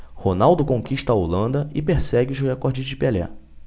ronaldo conquista a holanda e persegue os recordes de pelé